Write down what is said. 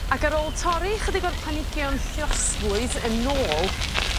ac ar ôl torri chydig o'r planigion lluosflwydd yn ôl